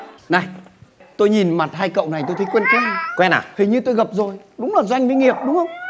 này tôi nhìn mặt hai cậu này tôi thấy quen quen quen hình như tôi gặp rồi đúng là doanh với nghiệp đúng không